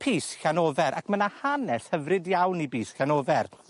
Pys Llanofer ac ma' 'na hanes hyfryd iawn i Bys Llanofer.